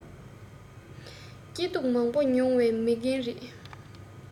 སྐྱིད སྡུག མང པོ མྱོང བའི མི རྒན རེད